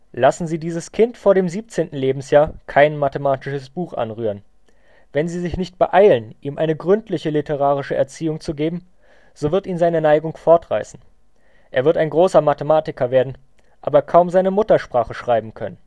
Lassen Sie dieses Kind vor dem siebzehnten Lebensjahr kein mathematisches Buch anrühren. Wenn Sie sich nicht beeilen, ihm eine gründliche literarische Erziehung zu geben, so wird ihn seine Neigung fortreissen. Er wird ein grosser Mathematiker werden, aber kaum seine Muttersprache schreiben können